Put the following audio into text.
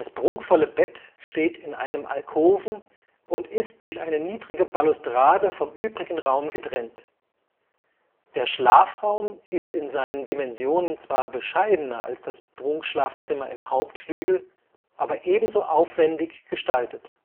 prunkvolle Bett steht in einem Alkoven und ist durch eine niedrige Balustrade vom übrigen Raum getrennt. Der Schlafraum ist in seinen Dimensionen zwar bescheidener als das Prunkschlafzimmer im Hauptflügel, aber ebenso aufwändig gestaltet